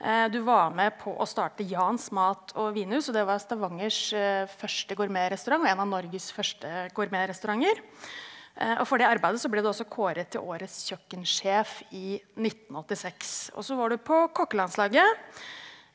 du var med på å starte Jans mat og vinhus, og det var Stavangers første gourmetrestaurant og en av Norges første gourmetrestauranter, og for det arbeidet så ble du også kåret til årets kjøkkensjef i nittenåttiseks, også var du på kokkelandslaget.